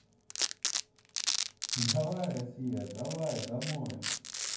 давай россия давай домой